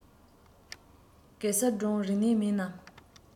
གེ སར སྒྲུང རིག གནས མིན ནམ